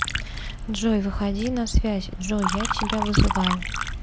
джой выходи на связь джой я тебя вызываю